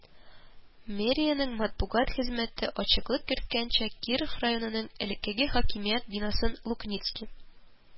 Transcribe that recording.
Мэриянең матбугат хезмәте ачыклык керткәнчә, Киров районының элеккеге хакимият бинасын Лукницкий